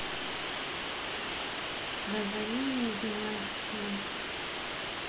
разорение династии